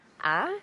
A